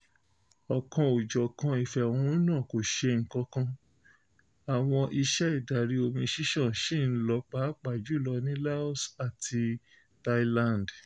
Ọ̀kanòjọ̀kan ìfẹ̀hónúhàn kò ṣe nǹkan kan, àwọn iṣẹ́ ìdarí-omi ṣíṣàn ṣì ń lọ, pàápàá jù lọ ní Laos àti Thailand.